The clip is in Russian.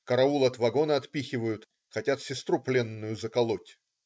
Караул от вагона отпихивают, хотят сестру пленную заколоть".